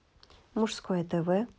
мужское тв